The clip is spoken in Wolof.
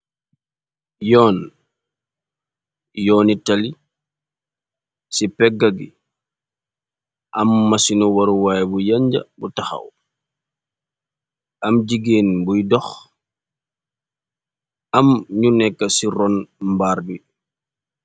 Yoon, yooni tali ci pegga gi am masinu waruwaay bu yanja bu tahaw, am jigeen bi doh, am ñu nekk ci ron mbaar bi.